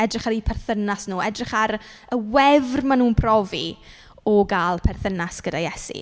Edrych ar eu perthynas nhw. Edrych ar y wefr maen nhw'n profi o gael perthynas gyda Iesu.